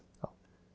ja.